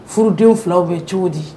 Furuden filaw bɛ cogo di